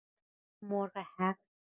مرغ‌حق